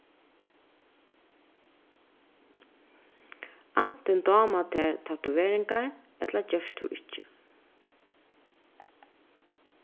antin dámar tær tatoveringar ella gert tú ikki